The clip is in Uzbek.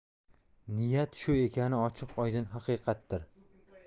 niyat shu ekani ochiq oydin haqiqatdir